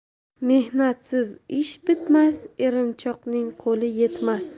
mehnatsiz ish bitmas erinchoqning qo'li yetmas